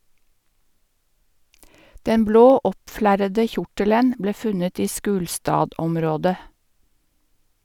Den blå oppflerrede kjortelen ble funnet i Skulstadområdet.